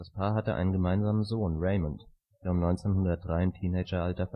hatte einen gemeinsamen Sohn, Raymond, der um 1903 im Teenageralter verstarb